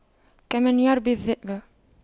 كمن يربي الذئب